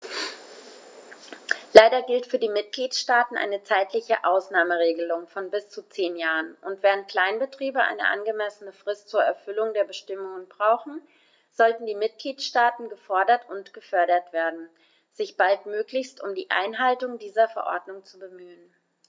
Leider gilt für die Mitgliedstaaten eine zeitliche Ausnahmeregelung von bis zu zehn Jahren, und, während Kleinbetriebe eine angemessene Frist zur Erfüllung der Bestimmungen brauchen, sollten die Mitgliedstaaten gefordert und gefördert werden, sich baldmöglichst um die Einhaltung dieser Verordnung zu bemühen.